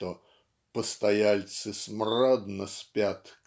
что "постояльцы смрадно спят